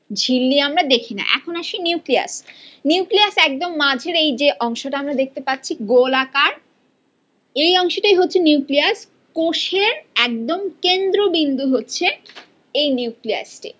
ঝিল্লি আমরা দেখি না এখন আসি নিউক্লিয়াস নিউক্লিয়াস একদম মাঝে এই অংশটা আমরা দেখতে পাচ্ছি গোলাকার এই অংশটি হচ্ছে নিউক্লিয়াস কোষের একদম কেন্দ্রবিন্দু হচ্ছে এ নিউক্লিয়াসটি